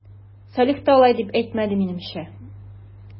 Салих та алай дип әйтмәде, минемчә...